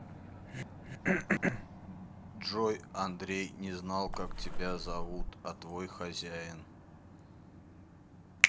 джой андрей не знал как тебя зовут а твой хозяин